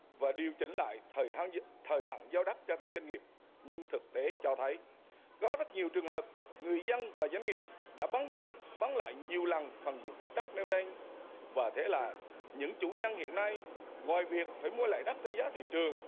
và điều chỉnh lại thời hạn thời hạn giao đất cho các doanh nghiệp nhưng thực tế cho thấy có rất nhiều trường hợp người dân và doanh nghiệp đã bán đi bán lại nhiều lần phần diện tích đất nêu trên và thế là những chủ nhân hiện nay ngoài việc phải mua lại đất theo giá thị trường